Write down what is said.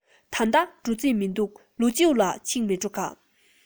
ད ལྟ འགྲོ རྩིས མི འདུག ལོ མཇུག ལ ཕྱིན མིན འགྲོ